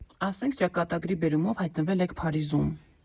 Ասենք, ճակատագրի բերումով հայտնվել եք Փարիզում։